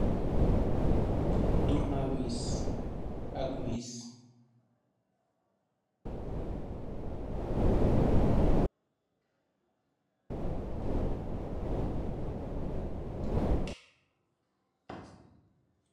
Turna wiis ak wiis.